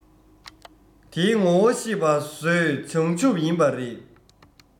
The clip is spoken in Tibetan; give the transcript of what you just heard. དེའི ངོ བོ ཤེས པ གཟོད བྱང ཆུབ ཡིན པ རེད